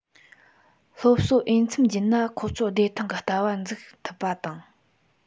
སློབ གསོ འོས འཚམ བརྒྱུད ན ཁོ ཚོར བདེ ཐང གི ལྟ བ འཛུགས ཐུབ པ དང